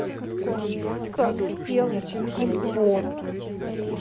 как сделать альбом